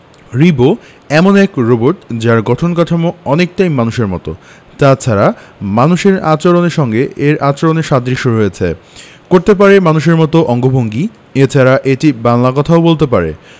রিবো এমন এক রোবট যার গঠন কাঠামো অনেকটাই মানুষের মতো তাছাড়া মানুষের আচরণের সঙ্গে এর আচরণের সাদৃশ্য রয়েছে করতে পারে মানুষের মতো অঙ্গভঙ্গি এছাড়া এটি বাংলায় কথাও বলতে পারে